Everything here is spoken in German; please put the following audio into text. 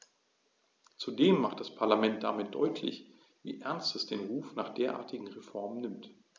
Zudem macht das Parlament damit deutlich, wie ernst es den Ruf nach derartigen Reformen nimmt.